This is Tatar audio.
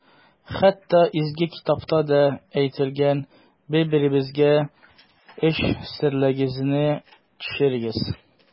Хәтта Изге китапта да әйтелгән: «Бер-берегезгә эч серләрегезне чишегез».